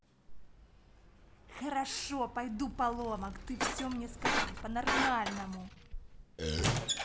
хорошо пойду поломок ты мне скажи по нормальному